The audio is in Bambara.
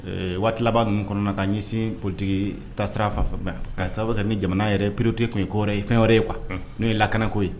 Ee waati tila ninnu kɔnɔ ka ɲɛsin ptigi ta sira fan ka sababu ka ni jamana yɛrɛ purte tun ye' ye fɛn wɛrɛ ye qu kuwa n'o ye lakanako ye